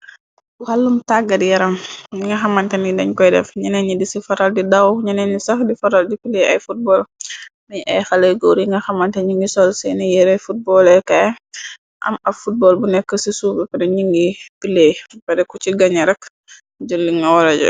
Wàllum tàggal yaram, yinga xamante ni dañ koy def ñene ñi di ci faral di daw ñene ni sax di faral di play ay footbal miy ay xaley góor yi nga xamante ñu ngi sol seeni yere footboolekaay am ay footbol bu nekk ci suuf, beh pare ni ngi play pare ku ci gañe rëkk jël lii nga wara jel